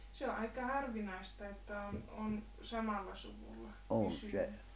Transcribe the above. se on aika harvinaista että on on samalla suvulla pysynyt